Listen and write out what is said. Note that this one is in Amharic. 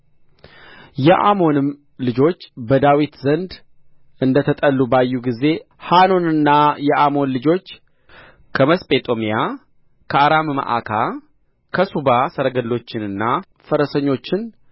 የአሞንም ልጆች በዳዊት ዘንድ እንደ ተጠሉ ባዩ ጊዜ ሐኖንና የአሞን ልጆች ከመስጴጦምያ ከአራምመዓካ ከሱባ ሰረገሎችንና ፈረሰኞችን